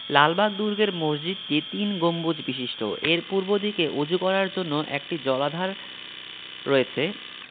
লালবাগ দুর্গের মসজিদটি তিন গম্বুজ বিশিষ্ট এর পূর্বদিকে ওজু করার জন্য একটি জলাধার রয়েছে